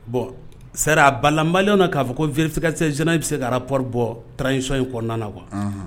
Bɔn sera a balanba k'a fɔ ko veresekasɛ j i bɛ se ka pɔɔri bɔ tarawelesic in kɔnɔna na wa